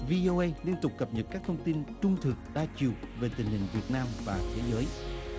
vi âu ây liên tục cập nhật các thông tin trung thực đa chiều về tình hình việt nam và thế giới